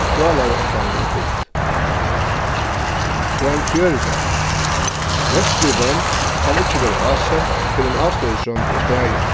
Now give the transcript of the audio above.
at frálæruætlanin er fylgd grein fjøruti verklig roynd kann ikki verða ásett fyrr enn ástøðisroynd er staðin